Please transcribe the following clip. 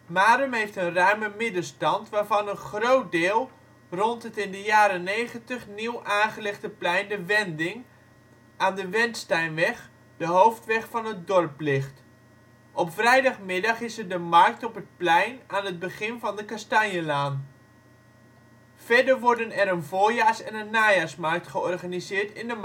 Marum heeft een ruime middenstand, waarvan een groot deel rond het in de jaren negentig nieuw aangelegde plein ' De Wending ' aan de Wendtsteinweg, de hoofdweg van het dorp, ligt. Op vrijdagmiddag is er de markt op het plein aan het begin van de Kastanjelaan. Verder worden er een voorjaars - en een najaarsmarkt georganiseerd in de Marktstraat